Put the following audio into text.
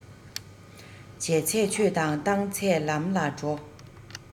བྱས ཚད ཆོས དང བཏང ཚད ལམ ལ འགྲོ